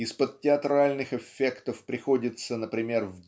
из-под театральных эффектов приходится например